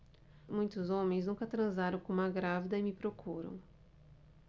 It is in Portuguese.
muitos homens nunca transaram com uma grávida e me procuram